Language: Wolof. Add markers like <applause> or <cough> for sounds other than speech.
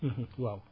<hesitation> <hesitation> waaw